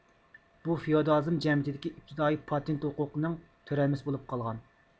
بۇ فېئودالىزم جەمئىيىتىدىكى ئىپتىدائىي پاتېنت ھوقۇقىنىڭ تۆرەلمىسى بولۇپ قالغان